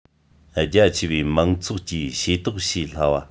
རྒྱ ཆེ བའི མང ཚོགས ཀྱིས ཤེས རྟོགས བྱེད སླ བ